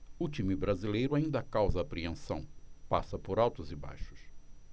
o time brasileiro ainda causa apreensão passa por altos e baixos